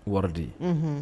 Wari di, unhun